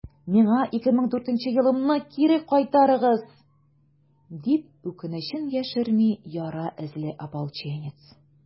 «миңа 2014 елымны кире кайтарыгыз!» - дип, үкенечен яшерми яра эзле ополченец.